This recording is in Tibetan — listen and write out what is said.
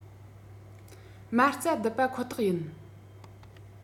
མ རྩ བརྡིབས པ ཁོ ཐག ཡིན